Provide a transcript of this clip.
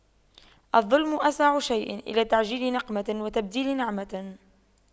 الظلم أسرع شيء إلى تعجيل نقمة وتبديل نعمة